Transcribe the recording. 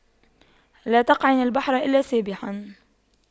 لا تقعن البحر إلا سابحا